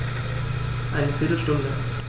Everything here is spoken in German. Eine viertel Stunde